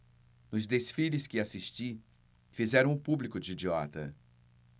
nos desfiles que assisti fizeram o público de idiota